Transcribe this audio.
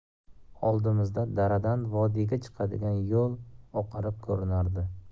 oldimizda daradan vodiyga chiqadigan joy oqarib ko'rinardi